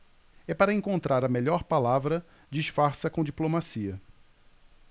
é para encontrar a melhor palavra disfarça com diplomacia